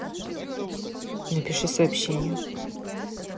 напиши сообщение